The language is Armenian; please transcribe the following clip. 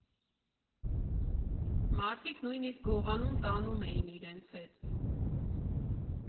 Մարդիկ նույնիսկ գողանում, տանում էին իրենց հետ։